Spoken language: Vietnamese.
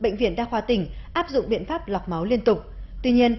bệnh viện đa khoa tỉnh áp dụng biện pháp lọc máu liên tục tuy nhiên